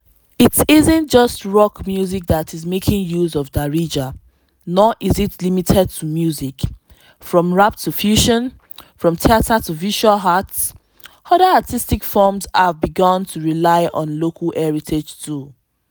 It isn't just rock music that is making use of Darija, nor is it limited to music: from rap to fusion, from theater to visual arts, other artistic forms have begun to rely on local heritage too.